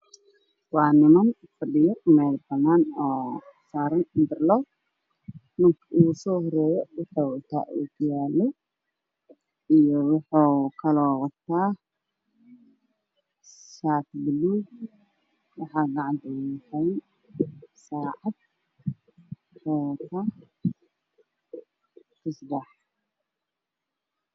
Waa niman fadhiyo meel banan ah waxaa hor yaalo miis saaran yahay cunto